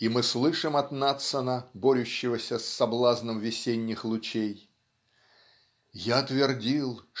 И мы слышим от Надсона, борющегося с соблазном весенних лучей Я твердил